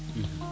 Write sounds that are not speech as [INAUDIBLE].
[HESITATION] [HESITATION]